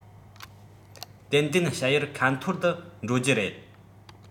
ཏན ཏན བྱ ཡུལ ཁ ཐོར དུ འགྲོ རྒྱུ རེད